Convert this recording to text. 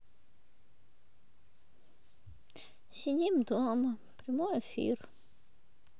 сидим дома прямой эфир